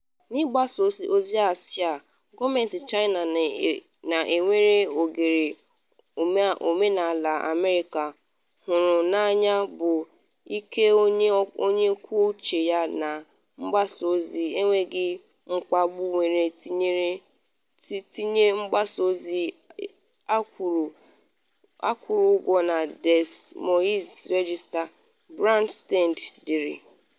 “N’ịgbasa ozi asị a, gọọmentị China na ewere oghere omenala America hụrụ n’anya bụ nke onye kwuo uche ya na mgbasa ozi enweghị mkpagbu were tinye mgbasa ozi akwụrụ ụgwọ na Des Moines Register.” Branstad dere.